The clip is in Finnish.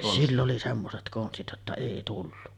sillä oli semmoiset konstit jotta ei tullut